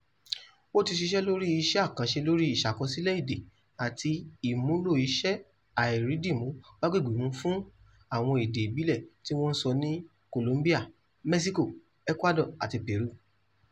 Ó ti ṣiṣẹ́ lórí àwọn iṣẹ́ àkànṣe lórí ìṣàkọsílẹ̀ èdè àti ìmúlò-iṣẹ́-àìrídìmú-bágbègbè-mu fún àwọn èdè ìbílẹ̀ tí wọ́n ń sọ ní Colombia, Mexico, Ecuador àti Peru.